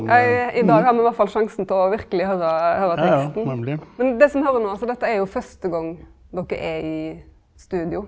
ja i dag har me iallfall sjansen til å verkeleg høyra høyra teksten, men det som me høyrer nå altså dette er jo første gong dokker er i studio.